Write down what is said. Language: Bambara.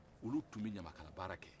olu tun bɛ ɲamakala baara kɛ